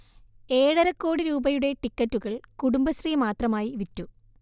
ഏഴരക്കോടി രൂപയുടെ ടിക്കറ്റുകൾ കുടുംബശ്രീ മാത്രമായി വിറ്റു